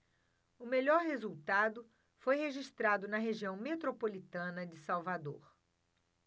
o melhor resultado foi registrado na região metropolitana de salvador